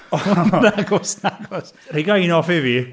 Nagoes, nagoes!... Rhiga un off i fi!